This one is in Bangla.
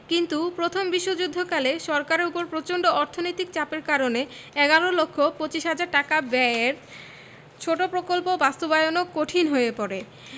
কিন্তু প্রথম বিশ্বযুদ্ধকালে সরকারের ওপর প্রচন্ড অর্থনৈতিক চাপের কারণে এগারো লক্ষ পচিশ হাজার টাকা ব্যয়ের ছোট প্রকল্প বাস্তবায়নও কঠিন হয়ে পড়ে